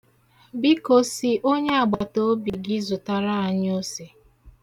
Biko, sị onyeagbataobi gị zụtara anyị ose.